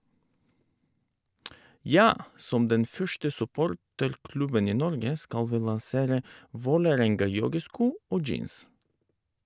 - Ja, som den første supporterklubben i Norge skal vi lansere Vålerenga-joggesko og - jeans.